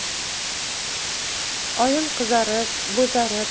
oyim qizarib bo'zarib